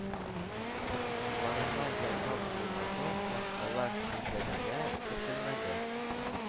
Ларына ялгап булмады һәм алар шәҗәрәгә кертелмәде